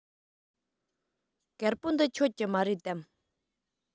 དཀར པོ འདི ཁྱོད ཀྱི མ རེད དམ